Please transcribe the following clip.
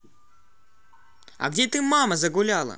а где ты мама загуляла